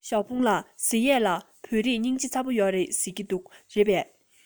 ཞའོ ཧྥུང ལགས ཟེར ཡས ལ བོད རིགས སྙིང རྗེ ཚ པོ ཡོད རེད ཟེར གྱིས རེད པས